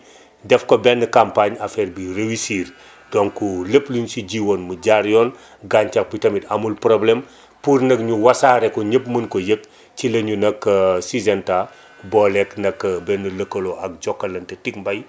def ko benn campagne affaire bi réussir donc lépp luñ si ji woon mu jaar yoon gàncax bi tamit amul problème pour nag ñu wasaare ko ñëpp mën koo yëg ci la ñu nag Syngenta booleeg nag benn lëkkaloo ak Jokalante Ticmbay